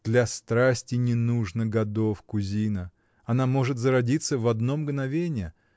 — Для страсти не нужно годов, кузина: она может зародиться в одно мгновение.